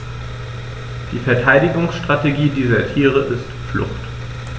Die Verteidigungsstrategie dieser Tiere ist Flucht.